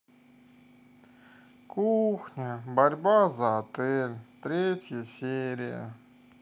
кухня борьба за отель третья серия